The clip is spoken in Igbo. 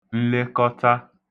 nlekọta